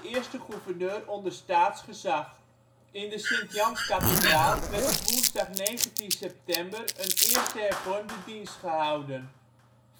eerste gouverneur onder Staats gezag. In de Sint-Janskathedraal werd op woensdag 19 september een eerste hervormde dienst gehouden.